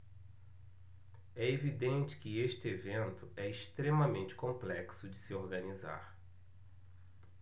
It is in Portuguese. é evidente que este evento é extremamente complexo de se organizar